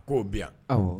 Kow bi yan awɔ